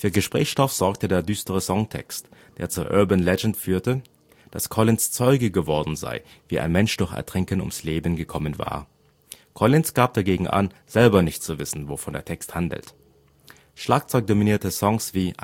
Gesprächsstoff sorgte der düstere Songtext, der zur urban legend führte, dass Collins Zeuge geworden sei, wie ein Mensch durch Ertrinken ums Leben gekommen war. Collins gab dagegen an, selber nicht zu wissen, wovon der Text handelt. Schlagzeug-dominierte Songs wie